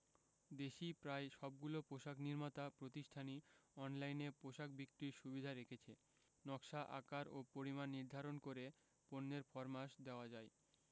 দেশি প্রায় সবগুলো পোশাক নির্মাতা প্রতিষ্ঠানই অনলাইনে পোশাক বিক্রির সুবিধা রেখেছে নকশা আকার ও পরিমাণ নির্ধারণ করে পণ্যের ফরমাশ দেওয়া যায়